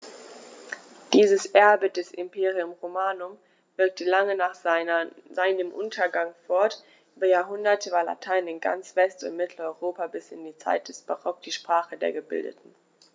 Dieses Erbe des Imperium Romanum wirkte lange nach seinem Untergang fort: Über Jahrhunderte war Latein in ganz West- und Mitteleuropa bis in die Zeit des Barock die Sprache der Gebildeten.